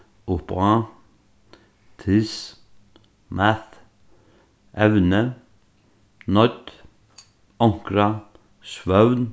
uppá this math evnið noydd onkra svøvn